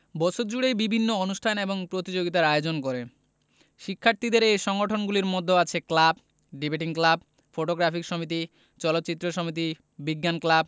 বছর জুড়েই বিভিন্ন অনুষ্ঠান এবং প্রতিযোগিতার আয়োজন করে শিক্ষার্থীদের এই সংগঠনগুলির মধ্যে আছে ক্লাব ডিবেটিং ক্লাব ফটোগ্রাফিক সমিতি চলচ্চিত্র সমিতি বিজ্ঞান ক্লাব